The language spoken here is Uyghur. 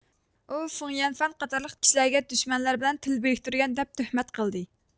ئۇ قېڭيەنفەن قاتارلىق كىشلەرگە دۈشمەنلەر بىلەن تىل بىرىكتۈرگەن دەپ تۆھمەت قىلدى